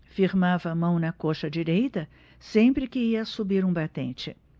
firmava a mão na coxa direita sempre que ia subir um batente